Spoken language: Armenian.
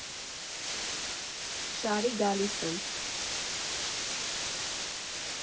Շարի, գալիս եմ։